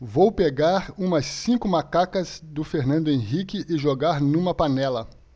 vou pegar umas cinco macacas do fernando henrique e jogar numa panela